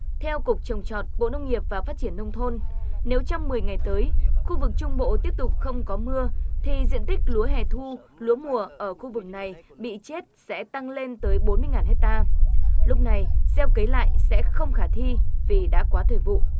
theo cục trồng trọt bộ nông nghiệp và phát triển nông thôn nếu trong mười ngày tới khu vực trung bộ tiếp tục không có mưa thì diện tích lúa hè thu lúa mùa ở khu vực này bị chết sẽ tăng lên tới bốn mươi ngàn héc ta lúc này gieo cấy lại sẽ không khả thi vì đã quá thời vụ